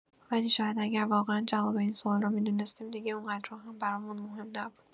ولی شاید اگه واقعا جواب این سوال رو می‌دونستیم، دیگه اون‌قدرها هم برامون مهم نبود.